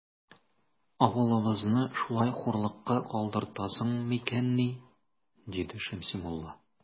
Авылыбызны шулай хурлыкка калдыртасың микәнни? - диде Шәмси мулла.